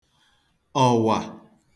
ọ̀wà